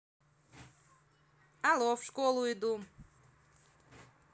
алло в школу иду